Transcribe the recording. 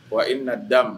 Wa i na d'a ma